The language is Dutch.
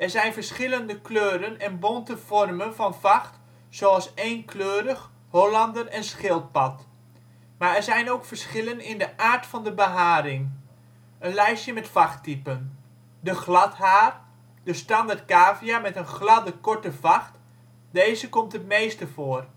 zijn verschillende kleuren en bonte vormen van vacht zoals eenkleurig, hollander en schildpad. Maar er zijn ook verschillen in de aard van de beharing. Een lijstje met vachttypen: De gladhaar: de ' standaard ' cavia met een gladde, korte vacht. Deze komt het meeste voor